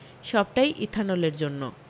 সবটাই ইথানলের জন্য